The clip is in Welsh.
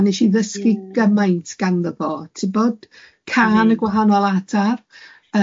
a wnes i ddysgu gymaint ganddo fo. Tibod.. M-hm. ...cân y gwahanol adar,